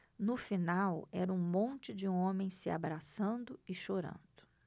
no final era um monte de homens se abraçando e chorando